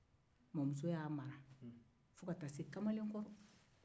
mɔmuso y'a mara fo ka taa se kamalen kɔrɔ